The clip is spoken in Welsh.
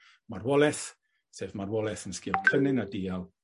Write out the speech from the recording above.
Marwoleth sef marwoleth yn sgil cynnen a dial